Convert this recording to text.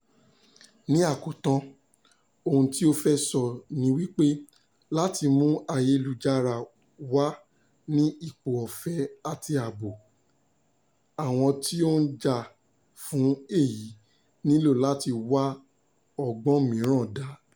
Ní àkótán, ohun tí ó fẹ́ sọ ní wípé láti mú ayélujára wà ní ipò ọ̀fẹ́ àti ààbò, àwọn tí ó ń jà fún èyí nílò láti wá ọgbọ́n mìíràn dá.